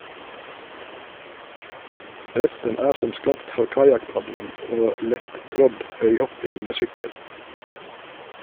Resten er som skapt for kajakkpadling og lett-trådd øyhopping med sykkel.